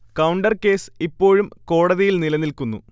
counter case ഇപ്പോഴും കോടതിയിൽ നിലനിൽക്കുന്നു